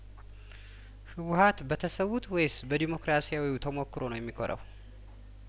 ህወሀት በተሰዉት ወይስ በዲሞክራሲያዊው ተሞክሮው ነው የሚኮራው